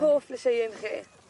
...hoff lysheien chi?